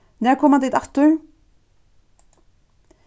nær koma tit aftur